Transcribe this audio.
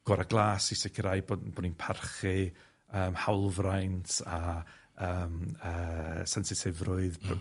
gora' glas i sicirau bo' bod ni'n parchu yym hawlfraint a yym yy sensitifrwydd